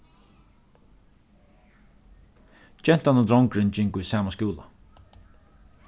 gentan og drongurin gingu í sama skúla